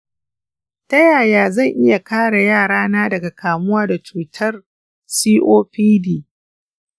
ta yaya zan iya kare yarana daga kamuwa da cutar copd?